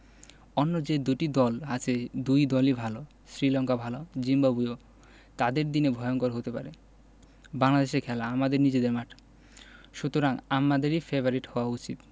অন্য যে দুটি দল আছে দুই দলই ভালো শ্রীলঙ্কা ভালো জিম্বাবুয়েও তাদের দিনে ভয়ংকর হতে পারে বাংলাদেশে খেলা আমাদের নিজেদের মাঠ সুতরাং আমাদেরই ফেবারিট হওয়া উচিত